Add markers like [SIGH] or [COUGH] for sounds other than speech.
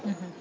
[HESITATION] [HESITATION]